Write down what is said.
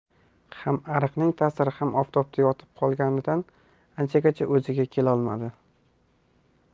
ham araqning tasiri ham oftobda yotib qolganidan anchagacha o'ziga kelolmadi